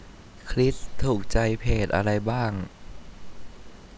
คริสถูกใจเพจอะไรบ้าง